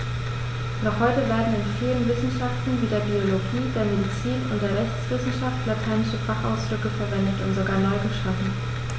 Noch heute werden in vielen Wissenschaften wie der Biologie, der Medizin und der Rechtswissenschaft lateinische Fachausdrücke verwendet und sogar neu geschaffen.